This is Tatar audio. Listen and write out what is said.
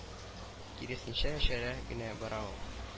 Киресенчә яшәрә генә бара ул